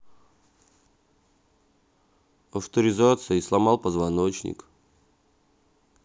авторизация и сломал позвоночник